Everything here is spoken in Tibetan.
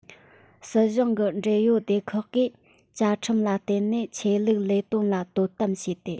སྲིད གཞུང གི འབྲེལ ཡོད སྡེ ཁག གིས བཅའ ཁྲིམས ལ བརྟེན ནས ཆོས ལུགས ལས དོན ལ དོ དམ བྱས ཏེ